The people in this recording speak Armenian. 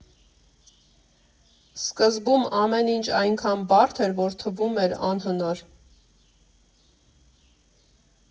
Սկզբում ամեն ինչ այնքան բարդ էր, որ թվում էր անհնար։